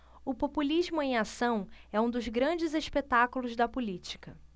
o populismo em ação é um dos grandes espetáculos da política